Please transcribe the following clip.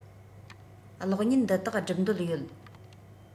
གློག བརྙན འདི དག སྒྲུབ འདོད ཡོད